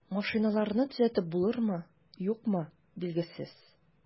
Машиналарны төзәтеп булырмы, юкмы, билгесез.